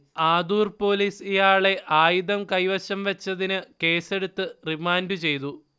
Adoor police ഇയാളെ ആയുധം കൈവശംവച്ചതിന് കേസെടുത്ത് റിമാൻഡുചെയ്തു